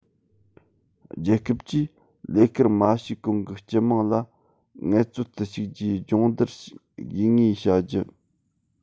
རྒྱལ ཁབ ཀྱིས ལས ཀར མ ཞུགས གོང གི སྤྱི དམངས ལ ངལ རྩོལ དུ ཞུགས རྒྱུའི སྦྱོང བརྡར དགོས ངེས བྱ རྒྱུ